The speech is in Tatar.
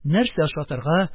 Нәрсә ашатырга,